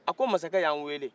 a ko masakɛ y'an wele